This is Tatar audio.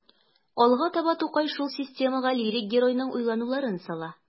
Алга таба Тукай шул системага лирик геройның уйлануларын сала.